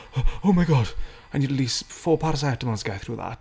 Oh my God, I need at least four paracetamols to get through that